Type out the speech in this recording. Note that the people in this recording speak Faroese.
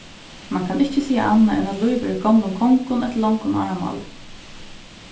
mann kann ikki siga annað enn at lív er í gomlum kongum eftir longum áramáli